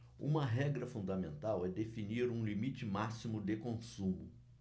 uma regra fundamental é definir um limite máximo de consumo